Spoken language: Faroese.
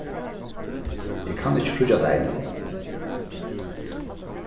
eg kann ikki fríggjadagin